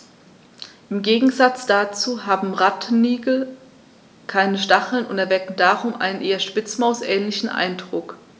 Im Gegensatz dazu haben Rattenigel keine Stacheln und erwecken darum einen eher Spitzmaus-ähnlichen Eindruck.